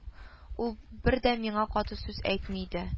Ул бер дә миңа каты сүз әйтми иде